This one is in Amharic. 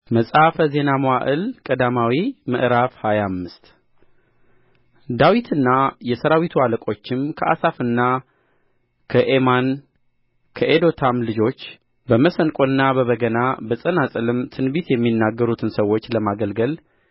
መጽሐፈ ዜና መዋዕል ቀዳማዊ ምዕራፍ ሃያ አምስት ዳዊትና የሠራዊቱ አለቆችም ከአሳፍና ከኤማን ከኤዶታም ልጆች በመሰንቆና በበገና በጸናጽልም ትንቢት የሚናገሩትን ሰዎች ለማገልገል